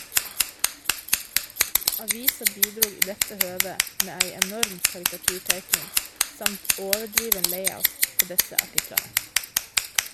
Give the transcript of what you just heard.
Avisa bidrog i dette høvet med ei enorm karikaturteikning, samt overdriven layout, på desse artiklane.